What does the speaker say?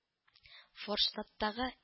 Форштадтагы